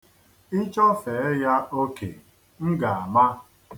Ị chọfee ya oke, m ga-ama.